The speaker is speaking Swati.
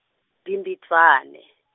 Bhimbidvwane.